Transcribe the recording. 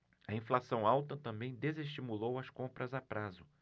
a inflação alta também desestimulou as compras a prazo